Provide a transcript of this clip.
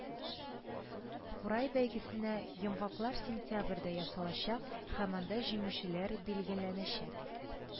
Курай бәйгесенә йомгаклар сентябрьдә ясалачак һәм анда җиңүчеләр билгеләнәчәк